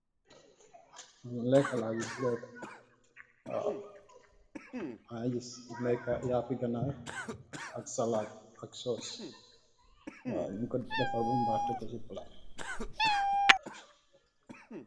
Lekka la gis lekka, mangi gis lekka yapi ganarr ak salat at saus.